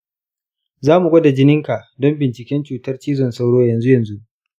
zamu gwada jinin ka don binciken cutar cizon sauro yanzu-yanzu.